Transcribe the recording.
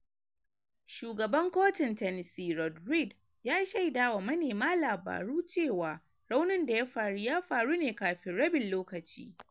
Shugaban kocin Tennessee Rod Reed ya shaida wa manema labaru cewa raunin da ya faru ya faru ne kafin rabin lokaci.